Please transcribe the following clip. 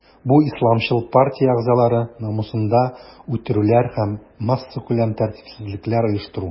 Бу исламчыл партия әгъзалары намусында үтерүләр һәм массакүләм тәртипсезлекләр оештыру.